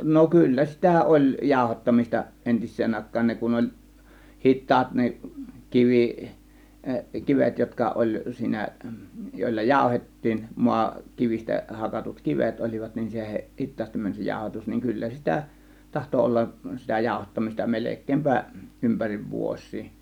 no kyllä sitä oli jauhattamista entiseen aikaan ne kun oli hitaat ne kivi kivet jotka oli siinä joilla jauhettiin maa kivistä hakatut kivet olivat niin se hitaasti meni se jauhatus niin kyllä sitä tahtoi olla sitä jauhattamista melkeinpä ympäri vuosiin